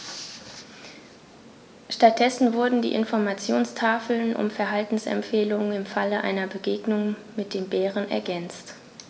Stattdessen wurden die Informationstafeln um Verhaltensempfehlungen im Falle einer Begegnung mit dem Bären ergänzt.